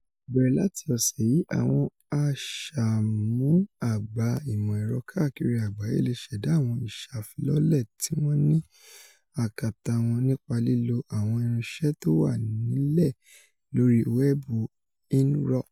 Bẹ́rẹ̀ láti ọ̀ṣẹ̀ yìí, àwọn aṣàmúàgbà ìmọ̀ ẹ̀rọ káàkiri àgbáyé le ṣẹ̀dá àwọn ìṣàfilọ́lẹ̀ tiwọ́n ní àkàtà wọ́n nípa lílo àwọn irínṣẹ́ tó wà nílẹ̀ lórí wẹ́ẹ̀bù Inrupt.